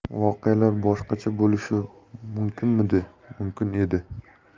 voqealar boshqacha bo'lishi mumkinmidi mumkin edi